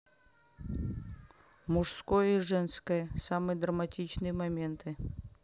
мужское и женское самые драматичные моменты